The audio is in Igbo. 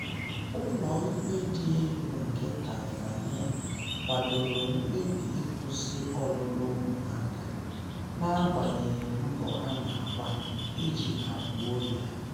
Ụlọ ikpe dị elu nke Tanzania kwadoro mkpebi ịkwụsị ọlụlụ ụmụaka na-agbanyeghị mbọ a na-agba iji kagbuo ya